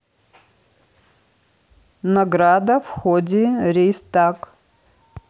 награда в ходе рейстаг